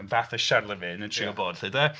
Fatha Charlemange... yn trio bod 'lly 'de.